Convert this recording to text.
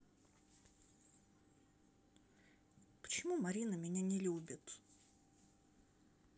почему марина меня не любит